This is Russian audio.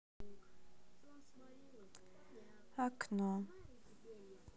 окно